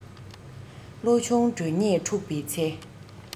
བློ ཆུང གྲོས ཉེས འཁྲུགས པའི ཚེ